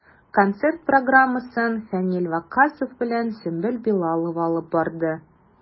Концерт программасын Фәнил Ваккасов белән Сөмбел Билалова алып барды.